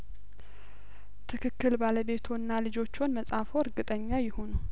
ትክክል ባለቤትዎና ልጆችዎን መጻፍዎ እርግጠኛ ይሁኑ